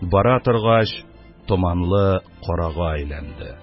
Бара торгач, томанлы карага әйләнде.